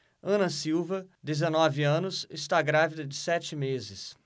ana silva dezenove anos está grávida de sete meses